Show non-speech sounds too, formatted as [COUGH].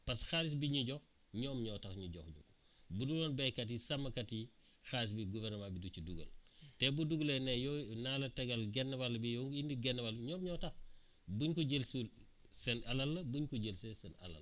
parce que xaalis bi ñuy jox ñoom ñoo tax ñu jox ñu ko [BREATH] bu dul woon béykat yi sàmmkat xaalis boobu gouverment di ci dugal te bu dugalee ne yow naa la tegal genn wàll bi yow nga indi genn wàll ñoom ñoo tax bu ñu ko jël si wul seen alal la bu ñu kojël see seen alal la